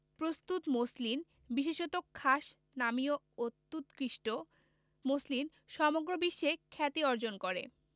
প্রস্তুত মসলিন বিশেষত খাস নামীয় অত্যুৎকৃষ্ট মসলিন সমগ্র বিশ্বে খ্যাতি অর্জন করে